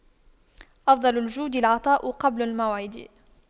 أفضل الجود العطاء قبل الموعد